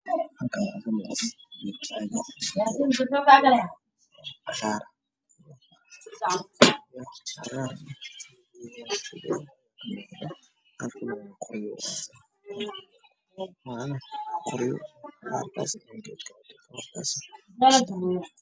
Meeshaan waxaa yaalo geed cagaar ah waana bal waxaannu jiraa daal madow ah beesha yeelan wacdaan